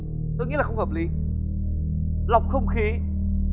tôi nghĩ là không hợp lý lọc không khí